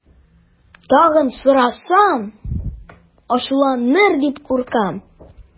Тагын сорасам, ачуланыр дип куркам.